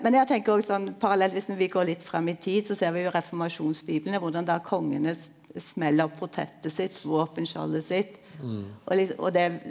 men eg tenker òg sånn parallelt viss ein vil gå litt fram i tid så ser vi jo reformasjonsbiblane korleis då kongane smeller opp portrettet sitt våpenskjoldet sitt og og det.